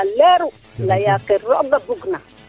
waxey leya leeru leya ke rooga bug na